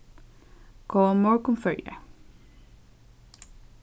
góðan morgun føroyar